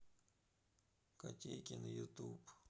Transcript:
котейки на ютуб